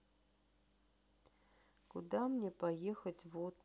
куда мне поехать в отпуск